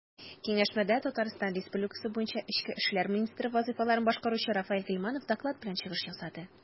Киңәшмәдә ТР буенча эчке эшләр министры вазыйфаларын башкаручы Рафаэль Гыйльманов доклад белән чыгыш ясады.